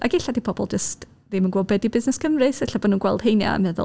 Ac ella 'di pobl jyst ddim yn gwbod be ydy Busnes Cymru, so ella bo' nhw'n gweld rheina a meddwl...